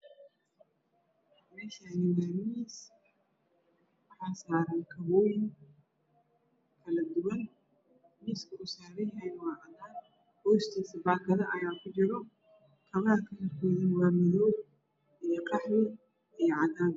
Mesahni waa mis waxa saran kiboyin kale dugan miska oow saranyahay waa cadan hostisa bakado ayaa kujiro kobaha kalarkoda waa madow io qahwi io cadan